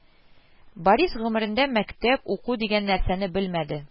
Борис гомерендә мәктәп, уку дигән нәрсәне белмәде